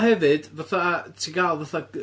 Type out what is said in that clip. Ia. So fatha... A hefyd, fatha, ti'n gael fatha g-...